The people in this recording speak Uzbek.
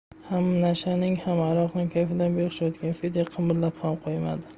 ham nashaning ham aroqning kayfidan behush yotgan fedya qimirlab ham qo'ymadi